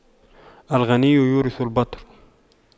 الغنى يورث البطر